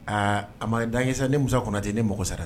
Aa a ma dankisɛsa ni muso kɔnɔ ten ni mɔgɔ sara dɛ